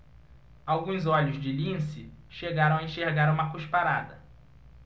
alguns olhos de lince chegaram a enxergar uma cusparada